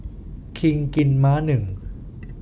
คิงกินม้าหนึ่ง